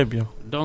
exactement